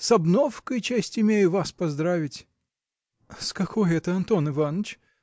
с обновкой честь имею вас поздравить. – С какой это, Антон Иваныч?